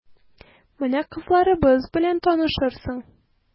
Менә кызларыбыз белән танышырсың...